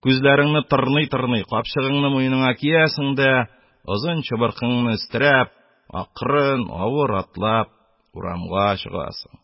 Күзләреңне тырный-тырный, капчыгыңны муеныңа киясең дә, озын чыбыркыңны өстерәп, акрын, авыр атлап, урамга чыгасың.